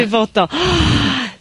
...dyfodol.